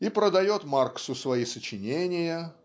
и продает Марксу свои сочинения